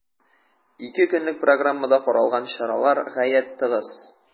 Ике көнлек программада каралган чаралар гаять тыгыз.